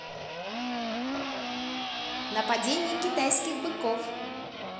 нападение китайских быков